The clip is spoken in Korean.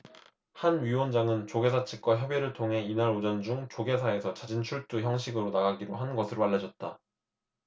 한 위원장은 조계사 측과 협의를 통해 이날 오전 중 조계사에서 자진출두 형식으로 나가기로 한 것으로 알려졌다